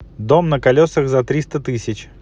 дом на колесах за триста тысяч